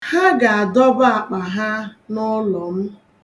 Ha ga-adọba akpa ha n'ụlọ m..